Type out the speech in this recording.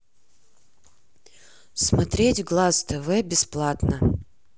смотреть глаз тв бесплатно